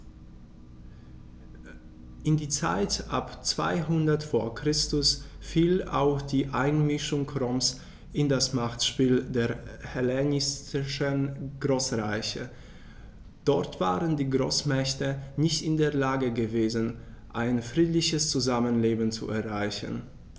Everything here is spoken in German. In die Zeit ab 200 v. Chr. fiel auch die Einmischung Roms in das Machtspiel der hellenistischen Großreiche: Dort waren die Großmächte nicht in der Lage gewesen, ein friedliches Zusammenleben zu erreichen.